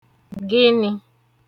gịnị̄